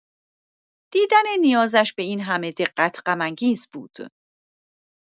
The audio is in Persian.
دیدن نیازش به این‌همه دقت غم‌انگیز بود.